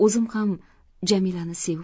o'zim ham jamilani sevib